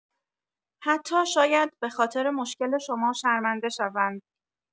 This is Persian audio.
حتی شاید به‌خاطر مشکل شما شرمنده شوند.